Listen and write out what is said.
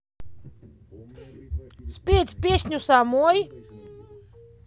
спеть песню самой